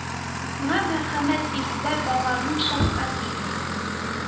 Ңә мәрхәмәт ит; вә балаларыңа шәфкать ит»,